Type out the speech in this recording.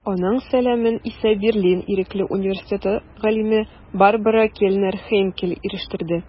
Аның сәламен исә Берлин Ирекле университеты галиме Барбара Кельнер-Хейнкель ирештерде.